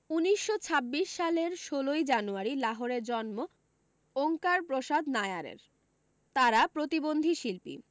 উনিশশো ছাব্বিশ সালের ষোলোই জানুয়ারি লাহোরে জন্ম ওঙ্কার প্রসাদ নায়ারের তাঁরা প্রতিবন্ধী শিল্পী